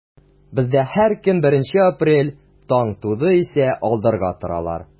Бездә һәр көн беренче апрель, таң туды исә алдарга торалар.